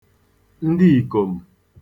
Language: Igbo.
ndịìkòm̀